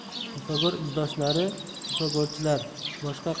pifagor izdoshlari pifagorchilar boshqa